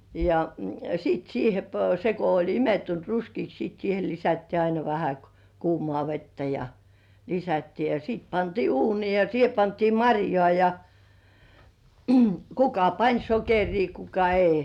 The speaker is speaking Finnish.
ja sitten siihen - se kun oli imettynyt ruskeaksi sitten siihen lisättiin aina vähän - kuumaa vettä ja lisättiin ja sitten pantiin uuniin ja siihen pantiin marjaa ja kuka pani sokeria kuka ei